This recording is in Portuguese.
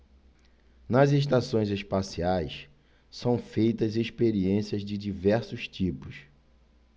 nas estações espaciais são feitas experiências de diversos tipos